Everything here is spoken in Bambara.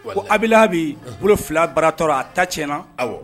Ko a bɛ bi bolo fila baratɔ a ta tiɲɛna